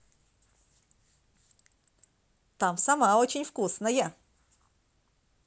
там сама очень вкусное